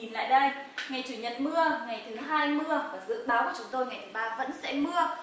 nhìn lại đây ngày chủ nhật mưa ngày thứ hai mưa và dự báo của chúng tôi ngày thứ ba vẫn sẽ mưa